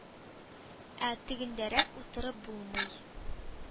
Ә тегендәрәк утырып булмый.